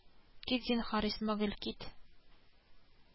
Карчык тагын авыр сулап куйды.